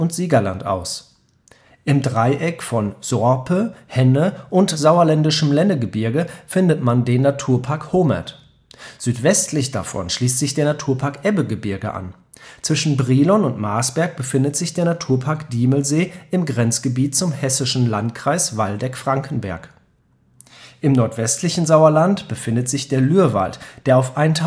Siegerland aus. Im Dreieck von Sorpe, Henne und sauerländischem Lennegebirge findet man den Naturpark Homert. Südwestlich davon schließt sich der Naturpark Ebbegebirge an. Zwischen Brilon und Marsberg befindet sich der Naturpark Diemelsee im Grenzgebiet zum hessischen Landkreis Waldeck-Frankenberg. Im nordwestlichen Sauerland befindet sich der Lürwald, der auf 1.618